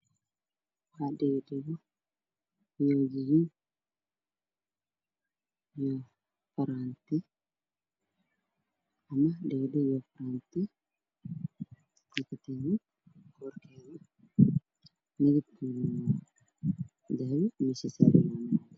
Waxaa ii muuqda kadin dahab ah oo kabaabin leh oo midabkiisii ay jaallo